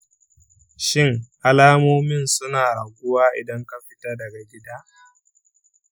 shin alamomin suna raguwa idan ka fita daga gida?